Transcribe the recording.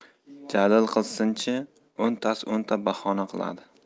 jalil qilsin chi o'ntasi o'nta bahona qiladi